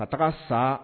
Ka taga sa